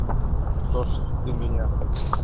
да что ж ты меня